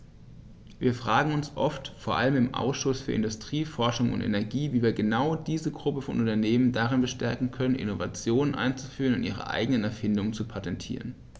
Wir fragen uns oft, vor allem im Ausschuss für Industrie, Forschung und Energie, wie wir genau diese Gruppe von Unternehmen darin bestärken können, Innovationen einzuführen und ihre eigenen Erfindungen zu patentieren.